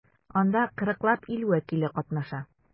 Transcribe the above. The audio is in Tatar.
Анда 40 лап ил вәкиле катнаша.